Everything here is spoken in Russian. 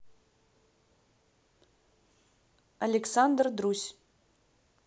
александр друзь